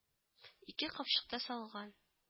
Ике капчыкта салган